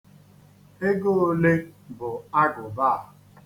Ego ole bụ agụba a?